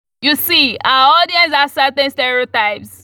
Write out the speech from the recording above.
You see, our audience has certain stereotypes...